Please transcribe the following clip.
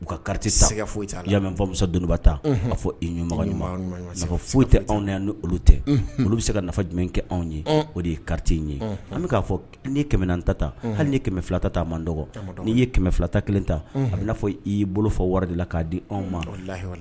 U ka karata sɛgɛgɛ foyi i' fɔmuso dɔnniba ta ka fɔ i ɲumanma ɲuman saba foyi tɛ anw na ni olu tɛ olu bɛ se ka nafa jumɛn kɛ anw ye o de ye karata in ye ana fɔ ni kɛmɛan tata hali ni kɛmɛ filata ta man n dɔgɔ n'i ye kɛmɛ filata kelen ta a bɛ'a fɔ i y'i bolo fɔ wara de la k'a di anw ma la